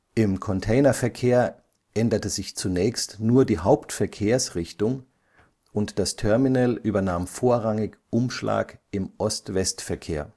Im Container-Verkehr änderte sich zunächst nur die Hauptverkehrsrichtung und das Terminal übernahm vorrangig Umschlag im Ost-West-Verkehr